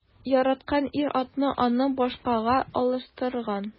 Яраткан ир-аты аны башкага алыштырган.